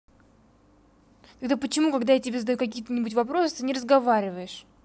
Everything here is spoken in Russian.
тогда почему когда я тебе задаю какие нибудь вопросы ты не разговариваешь